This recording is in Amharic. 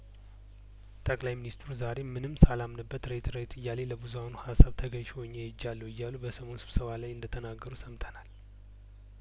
ጠቅላይ ሚኒስትሩ ዛሬ ምንም ሳላምንበት ሬት ሬት እያለኝ ለብዙሀኑ ሀሳብ ተገዥ ሆኜ ሄጃለሁ እያሉ በሰሞኑ ስብሰባ ላይ እንደ ተናገሩ ሰምተናል